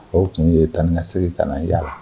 O tun ye tansigi ka na yaala